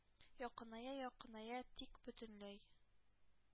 Якыная, якыная... тик бөтенләй